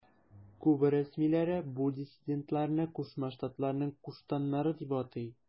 Куба рәсмиләре бу диссидентларны Кушма Штатларның куштаннары дип атый.